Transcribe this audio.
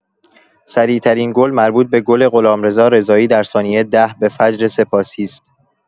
سریع‌ترین گل مربوط به گل غلامرضا رضایی در ثانیه ۱۰ به فجرسپاسی است.